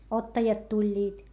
ottajat tulivat